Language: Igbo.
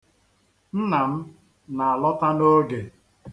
Nna m na-alọta n'oge.